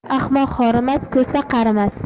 ahmoq horimas ko'sa qarimas